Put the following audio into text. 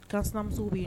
Kan sinamusow be